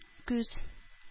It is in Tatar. Күз